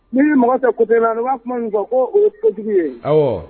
Ni ye mɔgɔ tɛ kotɛ la ne b'a kuma min fɔ ko o ye kotigi ye